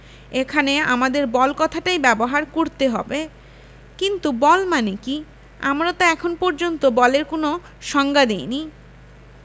এখানে আমাদের বল কথাটাই ব্যবহার করতে হবে কিন্তু বল মানে কী আমরা তো এখন পর্যন্ত বলের কোনো সংজ্ঞা দিইনি